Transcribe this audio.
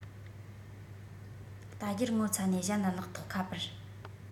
ལྟ རྒྱུར ངོ ཚ ནས གཞན ལ ལག ཐོགས ཁ པར